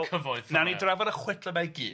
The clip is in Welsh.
wnawn ni drafod y chwedl yma i gyd reit.